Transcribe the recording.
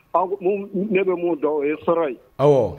Aw ne bɛ mun dɔn o ye sara ye